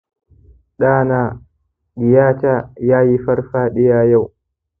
ɗana/ɗiyata yayi farfaɗiya yau